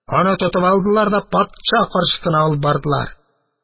Аны тотып алдылар да патша каршына алып бардылар.